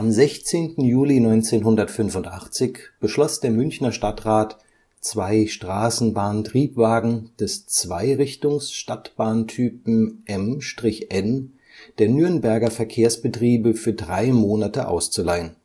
16. Juli 1985 beschloss der Münchner Stadtrat, zwei Straßenbahntriebwagen des Zweirichtungs-Stadtbahntypen M/N der Nürnberger Verkehrsbetriebe für drei Monate auszuleihen